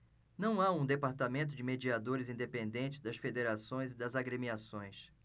não há um departamento de mediadores independente das federações e das agremiações